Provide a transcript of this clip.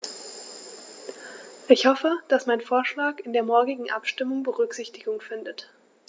Ich hoffe, dass mein Vorschlag in der morgigen Abstimmung Berücksichtigung findet.